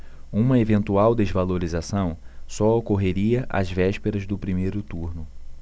uma eventual desvalorização só ocorreria às vésperas do primeiro turno